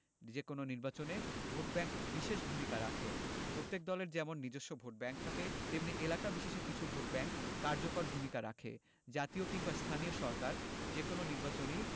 যেকোনো নির্বাচনে ভোটব্যাংক বিশেষ ভূমিকা রাখে প্রত্যেক দলের যেমন নিজস্ব ভোটব্যাংক থাকে তেমনি এলাকা বিশেষে কিছু ভোটব্যাংক কার্যকর ভূমিকা রাখে জাতীয় কিংবা স্থানীয় সরকার যেকোনো নির্বাচনেই